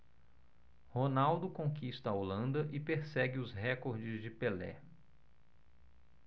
ronaldo conquista a holanda e persegue os recordes de pelé